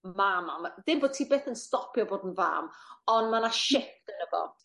mam on' ma'... Ddim bo' ti byth yn stopio bod yn fam on' ma' 'na shift yno fo.